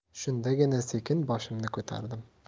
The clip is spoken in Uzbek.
shundagina sekin boshimni ko'tardim